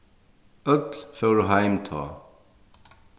øll fóru heim tá